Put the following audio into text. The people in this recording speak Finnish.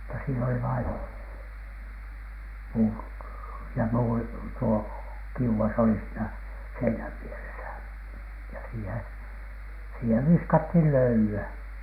mutta siinä oli vain - ja muuri tuo kiuas oli siinä seinän vieressä ja siihen siihen viskattiin löylyä